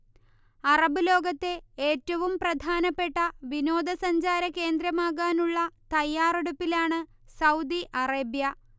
Arab ലോകത്തെ ഏറ്റവും പ്രധാനപ്പെട്ട വിനോദ സഞ്ചാര കേന്ദ്രമാകാനുള്ള തയാറെടുപ്പിലാണ് സൗദി അറേബ്യ